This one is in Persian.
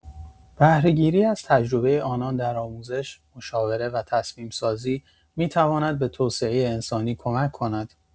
بهره‌گیری از تجربه آنان در آموزش، مشاوره و تصمیم‌سازی می‌تواند به توسعه انسانی کمک کند.